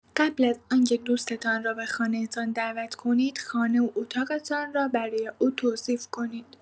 قبل از آنکه دوست‌تان را به خانه‌تان دعوت کنید، خانه و اتاق‌تان را برای او توصیف کنید.